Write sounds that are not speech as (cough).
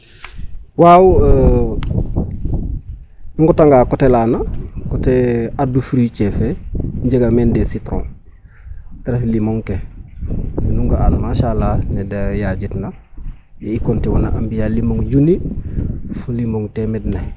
waaw (hesitation) i nqotanga coté lana coté arbre fruitier fe i njega men des citron te ref limong ke nu nga'an masala ne da yaajitna i compter una a mbi'a limong juuni fo limong teemeed naxik.